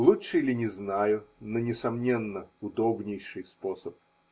Лучший ли, не знаю, но, несомненно, удобнейший способ.